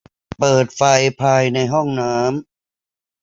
เปิดไฟภายในห้องน้ำ